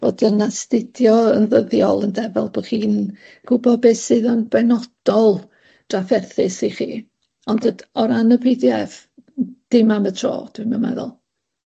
bod yn astudio yn ddyddiol ynde, fel bo' chi'n gwbod beth sydd yn benodol drafferthus i chi, ond yy o ran y Pee Dee Eff m- dim am y tro, dwi'm yn meddwl.